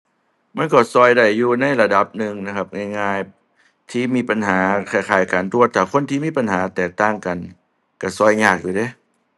มันก็ช่วยได้อยู่ในระดับหนึ่งนะครับ ง่ายง่าย ที่มีปัญหาคล้ายคล้ายกัน แต่ว่าถ้าคนที่มีปัญหาแตกต่างกัน ช่วยช่วยยากอยู่เดะ